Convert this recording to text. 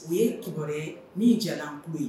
U ye kiba ye min jalanko ye